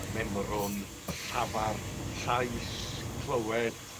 Y memrwn llafar llais clywed